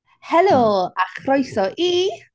Helo a chroeso i...